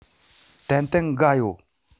ཏན ཏན འགའ ཡོད